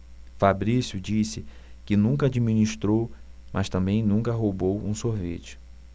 fabrício disse que nunca administrou mas também nunca roubou um sorvete